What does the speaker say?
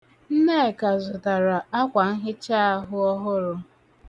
Nneka zụtara akwanhichaahụ ọhụrụ.